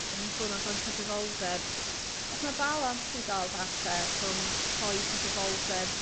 a ni'n sôn amdan cyfrifoldeb o's 'na balans i'w gael falle rhwng rhoi cyfrifoldeb